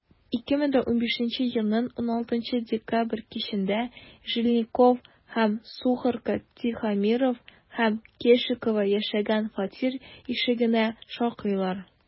2015 елның 16 декабрь кичендә жильников һәм сухарко тихомиров һәм кешикова яшәгән фатир ишегенә шакыйлар.